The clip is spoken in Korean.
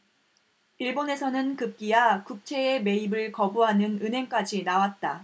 일본에서는 급기야 국채의 매입을 거부하는 은행까지 나왔다